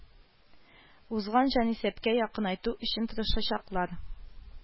Узган җанисәпкә якынайту өчен тырышачаклар